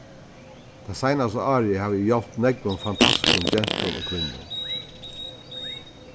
tað seinasta árið havi eg hjálpt nógvum fantastiskum gentum og kvinnum